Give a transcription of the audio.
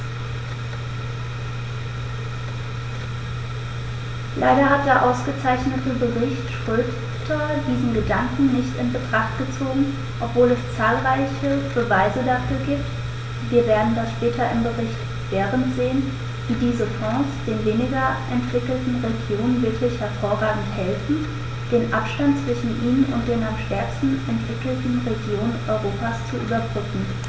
Leider hat der ausgezeichnete Bericht Schroedter diesen Gedanken nicht in Betracht gezogen, obwohl es zahlreiche Beweise dafür gibt - wir werden das später im Bericht Berend sehen -, wie diese Fonds den weniger entwickelten Regionen wirklich hervorragend helfen, den Abstand zwischen ihnen und den am stärksten entwickelten Regionen Europas zu überbrücken.